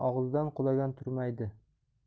og'zidan qulagan turmaydi